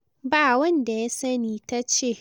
“Ba wanda ya sani,”ta ce.